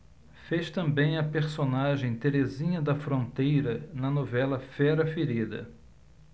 fez também a personagem terezinha da fronteira na novela fera ferida